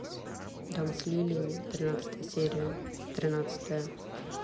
дом с лилиями тринадцатая серия тринадцатая